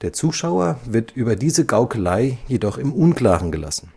Zuschauer wird über diese Gaukelei jedoch im Unklaren gelassen